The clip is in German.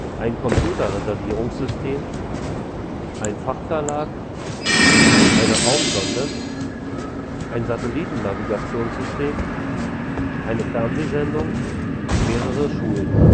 ein Computerreservierungssystem ein Fachverlag eine Raumsonde ein Satellitennavigationsystem eine Fernsehsendung mehrere Schulen